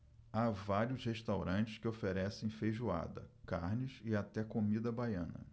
há vários restaurantes que oferecem feijoada carnes e até comida baiana